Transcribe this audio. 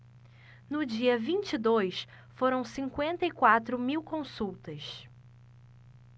no dia vinte e dois foram cinquenta e quatro mil consultas